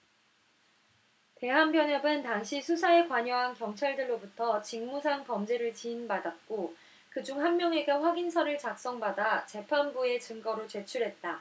대한변협은 당시 수사에 관여한 경찰들로부터 직무상범죄를 자인받았고 그 중 한 명에게 확인서를 작성받아 재판부에 증거로 제출했다